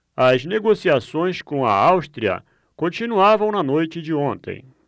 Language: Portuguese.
as negociações com a áustria continuavam na noite de ontem